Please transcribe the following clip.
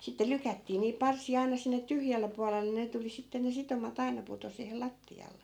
sitten lykättiin niin parsia aina sinne tyhjälle puolelle ne tuli sitten ne sitomat aina putosi siihen lattialle